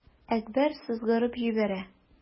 Әкбәр сызгырып җибәрә.